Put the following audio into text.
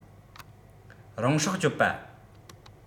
རང སྲོག གཅོད པ